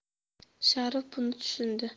sharif buni tushundi